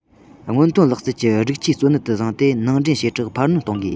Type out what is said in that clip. སྔོན ཐོན ལག རྩལ གྱི སྒྲིག ཆས གཙོ གནད དུ བཟུང སྟེ ནང འདྲེན བྱེད གྲངས འཕར སྣོན གཏོང དགོས